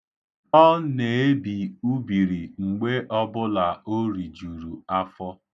Ọ na-ebi ubiri mgbe ọbụla o rijuru afọ.